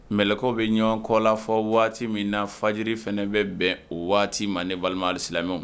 Mɛɛlɛkaw bɛ ɲɔgɔn kɔ la fɔ waati min na fajiri fana bɛ bɛn o waati manden balimasilaw